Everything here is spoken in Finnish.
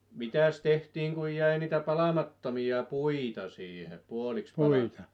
mitäs tehtiin kun jäi niitä palamattomia puita siihen puoliksi -